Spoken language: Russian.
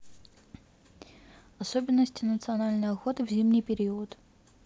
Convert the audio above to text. особенности национальной охоты в зимний период